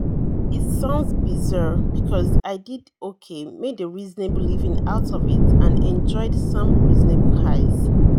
It sounds bizarre because I did okay, made a reasonable living out of it, and enjoyed some reasonable highs.